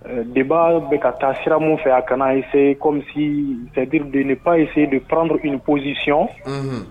De bbaa bɛ ka taa sira min fɛ a kanase kɔmimisi sɛdiri de panse deuraurup psisiy